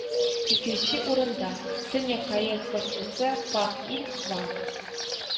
Икенче урында – Төньяк Корея спортчысы Пак Иль Хва